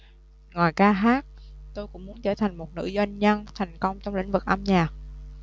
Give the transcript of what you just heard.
ngoài ca hát tôi cũng muốn trở thành một nữ doanh nhân thành công trong lĩnh vực âm nhạc